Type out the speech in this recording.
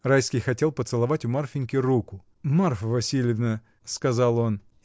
Райский хотел поцеловать у Марфиньки руку. — Марфа Васильевна. — сказал он.